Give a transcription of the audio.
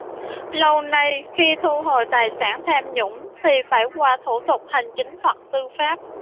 lâu nay khi thu hồi tài sản tham nhũng thì phải qua thủ tục hành chính hoặc tư pháp